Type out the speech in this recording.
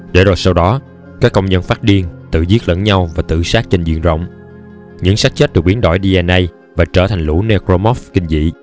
để rồi sau đó các công nhân phát điên tự giết lẫn nhau và tự sát trên diện rộng những xác chết được biến đổi dna và trở thành lũ necromorph kinh dị